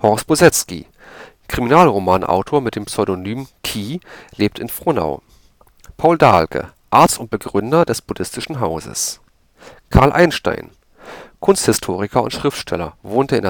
Horst Bosetzky, Kriminalromanautor mit dem Pseudonym „- ky “, lebt in Frohnau Paul Dahlke, Arzt und Begründer des Buddhistischen Hauses Carl Einstein, Kunsthistoriker und Schriftsteller, wohnte